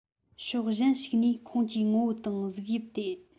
ཕྱོགས གཞན ཞིག ནས ཁོངས ཀྱི ངོ བོ དང གཟུགས དབྱིབས ཏེ